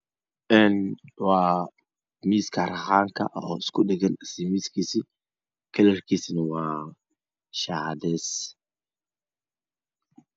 En waa miska harqanka oo isku dhegan isaga iyo miskiisa medabkiisu waa cadees